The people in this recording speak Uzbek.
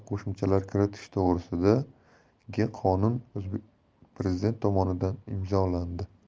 qo'shimchalar kiritish to'g'risida gi qonun prezident tomonidan imzolandi